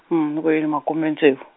ni ku yini makume ntsevu.